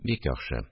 – бик яхшы